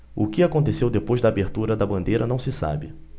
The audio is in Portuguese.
o que aconteceu depois da abertura da bandeira não se sabe